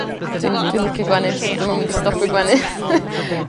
Dwi'n dwi'n licio gwenu so dwi'm yn mynd i stopio gwenu.